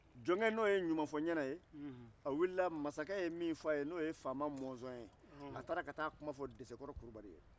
jɔnkɛ n'o ye ɲumanfɔ-n-ɲɛna ye a wulila masakɛ ye min fɔ a ye n'o ye faama mɔnzɔn ye a taara ka taa a kuma fɔ desekɔrɔ kulubali ye